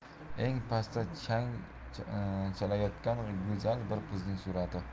eng pastda chang chalayotgan go'zal bir qizning surati